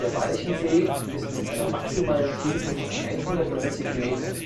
Walchensee ist einer der tiefsten (maximale Tiefe: 190 m